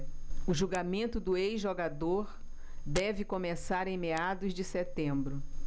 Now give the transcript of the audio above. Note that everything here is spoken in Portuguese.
o julgamento do ex-jogador deve começar em meados de setembro